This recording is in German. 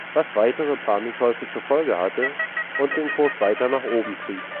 was weitere Panikkäufe zur Folge hatte und den Kurs weiter nach oben trieb